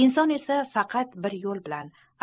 inson esa faqat bir yo'l bilan